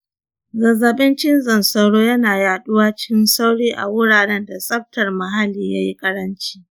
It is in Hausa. zazzaɓin cizon sauro yana yaɗuwa cikin sauri a wuraren da tsaftar muhalli yayi ƙaranci